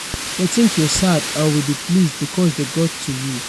They think you're sad and will be pleased because they got to you."